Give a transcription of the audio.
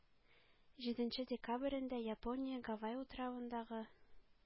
Җиденче декабрендә япония гавай утравындагы